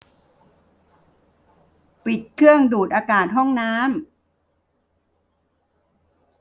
ปิดเครื่องดูดอากาศห้องน้ำ